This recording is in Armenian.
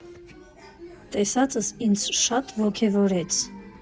Տեսածս ինձ շատ ոգևորեց։